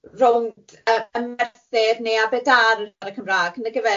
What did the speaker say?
rownd yy Merthyr neu Aberdâr ar y Cymrag, nagefe?